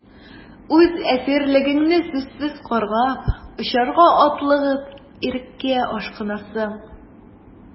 Үз әсирлегеңне сүзсез каргап, очарга атлыгып, иреккә ашкынасың...